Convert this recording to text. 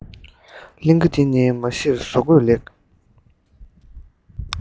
གླིང ག འདི ནི མ གཞིར བཟོ བཀོད ལེགས